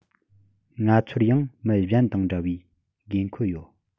ང ཚོར ཡང མི གཞན དང འདྲ བའི དགོས མཁོ ཡོད